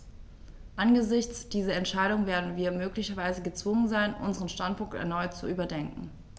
Angesichts dieser Entscheidung werden wir möglicherweise gezwungen sein, unseren Standpunkt erneut zu überdenken.